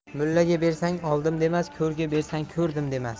mullaga bersang oldim demas ko'rga bersang ko'rdim demas